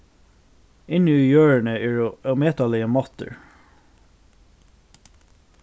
inni í jørðini eru ómetaligir máttir